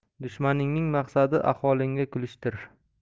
dushmaningning maqsadi ahvolingga kulishdir